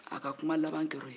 a ka kumakan laban kɛr'o ye